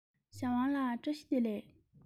ཞའོ ཝང ལགས བཀྲ ཤིས བདེ ལེགས